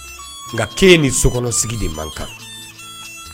Nka k'e ni sokɔnɔsigi de man kan